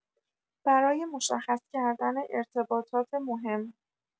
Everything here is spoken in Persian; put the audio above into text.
برای مشخص کردن ارتباطات مهم